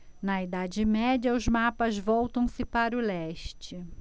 na idade média os mapas voltam-se para o leste